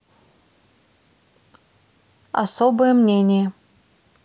особое мнение